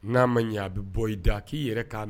N'a ma ɲi a bɛ bɔ i da a k'i yɛrɛ k'a mɛn